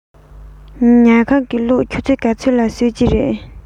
ཉལ ཁང གི གློག ཆུ ཚོད ག ཚོད ལ གསོད ཀྱི རེད